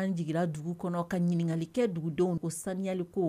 An jiginra dugu kɔnɔ ka ɲininkali kɛ dugudenw ko saniyali ko